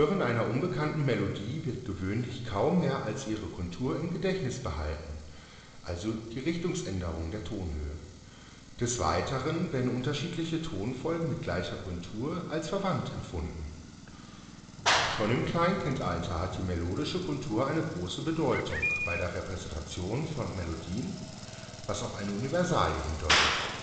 Hören einer unbekannten Melodie wird gewöhnlich kaum mehr als ihre Kontur im Gedächtnis behalten, also Richtungsänderungen der Tonhöhe. Des Weiteren werden unterschiedliche Tonfolgen mit gleicher Kontur als verwandt empfunden. Schon im Kleinkindalter hat die melodische Kontur eine große Bedeutung bei der Repräsentation von Melodien, was auf eine Universalie hindeutet